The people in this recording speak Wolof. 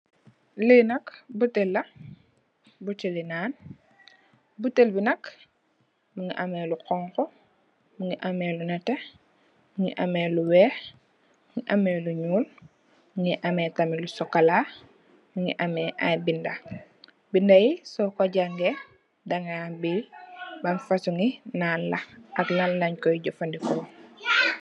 lena butel butel li nan butel bi nak mingi ami lo xongo mingi ame lo nete mingi ami lo weex mingi ami lo nuul mingi ami tarmit lo sokola mingi ami ayi bindah bind yi soko jaaggeh da ham bi ban fahsion nan la ak lan lankoy jafarrdiko.